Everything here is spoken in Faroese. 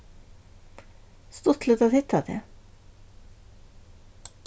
stuttligt at hitta teg